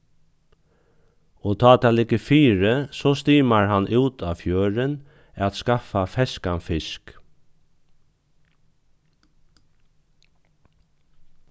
og tá tað liggur fyri so stimar hann út á fjørðin at skaffa feskan fisk